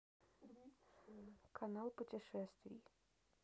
канал путешествий